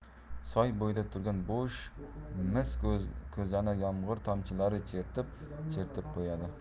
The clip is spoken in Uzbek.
soy bo'yida turgan bo'sh mis ko'zani yomg'ir tomchilari chertib chertib qo'yadi